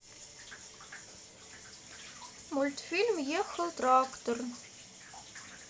мультфильм ехал трактор